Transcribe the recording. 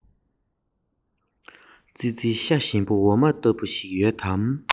མཆིལ མ བར མེད དུ མིད